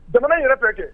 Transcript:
Jamana yɛrɛ bɛ kɛ